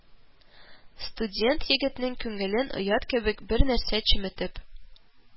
Студент егетнең күңелен оят кебек бер нәрсә чеметеп